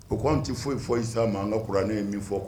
O kɔnni tɛ foyi fɔ Isa ma, an ka kuran ye min fɔ